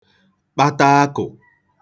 kpata akụ̀